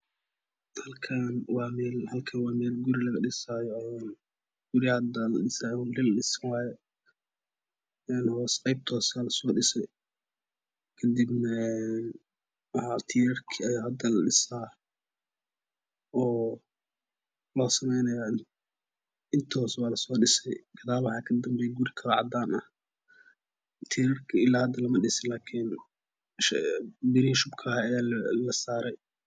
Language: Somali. Halkaan waa meel guri laga dhisaayo guri een hada la dhisayo la dhisay waaye meel hoose qeybta hoose aa la sooshisay tiirarkii ayaa hada ladhisa oo loo samaynayaan inta hoose waa lasoo dhisay gadaal waxaa ka danbeeyo guri kalo oo cadaan ah tiirarka ilaa hada lama dhisin laakiin dariishka xunka ayaa la saaray